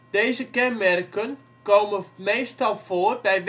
Deze kenmerken komen meestal voor bij